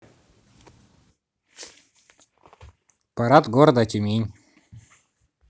парад города тюмень